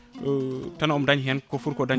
tan omo daaña hen ko footi ko dañje